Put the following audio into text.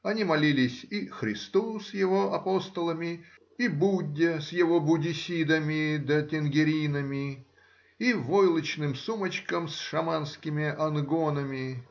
они молились и Христу с его апостолами, и Будде с его буддисидами да тенгеринами, и войлочным сумочкам с шаманскими ангонами.